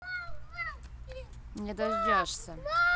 не дождешься